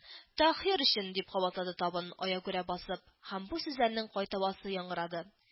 — таһир өчен! — дип кабатлады табын, аягүрә басып, һәм бу сүзләрнең кайтавазы яңгырады